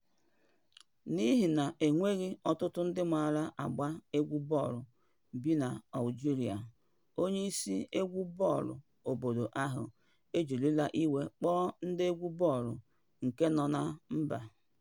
N'ihi na e nweghi ọtụtụ ndị mara agba egwú bọọlụ bi na Algeria, onye isi egwu bọọlụ obodo ahụ ejirila iwe kpọọ ndị egwu bọọlụ nke nọ na mba.